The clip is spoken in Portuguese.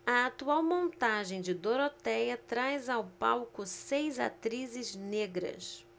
a atual montagem de dorotéia traz ao palco seis atrizes negras